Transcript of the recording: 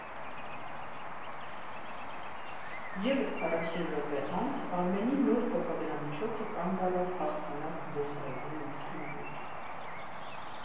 Եվս քառասուն րոպե անց Արմենի նոր փոխադրամիջոցը կանգ առավ «Հաղթանակ» զբոսայգու մուտքի մոտ։